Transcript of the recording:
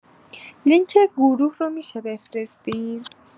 لینک گروه رو می‌شه بفرستین